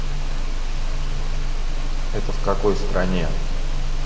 это в какой стране